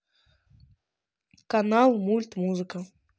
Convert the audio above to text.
канал мульт музыка